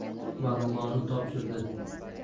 marg'ilonni topshirdi